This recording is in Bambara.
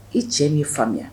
I cɛ n'i faamuya